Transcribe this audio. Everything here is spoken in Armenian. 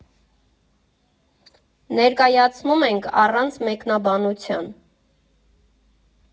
Ներկայացնում ենք առանց մեկնաբանության.